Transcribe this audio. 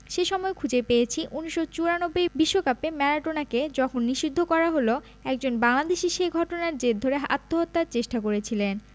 সে সময় খুঁজে পেয়েছি ১৯৯৪ বিশ্বকাপে ম্যারাডোনাকে যখন নিষিদ্ধ করা হলো একজন বাংলাদেশি সে ঘটনার জের ধরে আত্মহত্যার চেষ্টা করেছিলেন